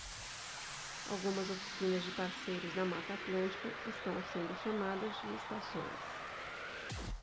algumas oficinas de parceiros da mata atlântica estão sendo chamadas de estações